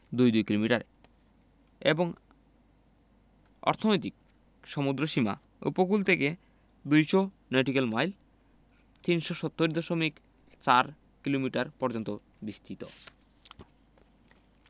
দুই দুই কিলোমিটার এবং অর্থনৈতিক সমুদ্রসীমা উপকূল থেকে ২০০ নটিক্যাল মাইল ৩৭০ দশমিক ৪ কিলোমিটার পর্যন্ত বিস্তৃত